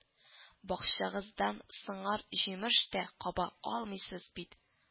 Бакчагыздан сыңар җимеш тә каба алмыйсыз бит